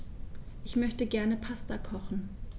Ich möchte gerne Pasta kochen.